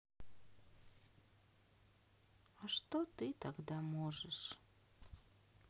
а что ты тогда можешь